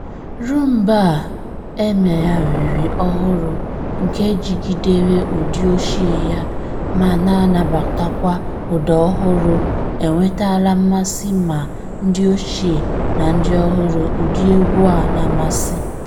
Rhumba a emegharịrị ọhụrụ nke jigidere ụdị ochie ya ma na-anabatakwa ụda ọhụrụ enwetaala mmasị ma ndị ochie na ndị ọhụrụ ụdị egwu a na-amasị.